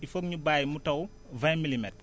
il foog ñu bàyyi mu taw vingt milimètres